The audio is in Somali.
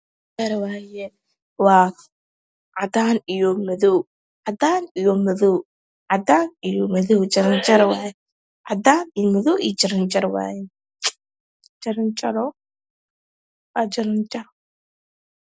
Waa jarajaro kalar kode waa madow iyo cadan